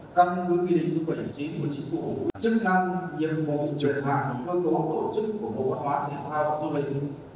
căn cứ quy định của số bảy chín của chính phủ chức năng nhiệm vụ truyền lại cơ cấu tổ chức của bộ văn hóa thể thao du lịch